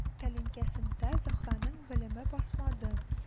Тәлинкәсендә зөһрәнең белеме басмады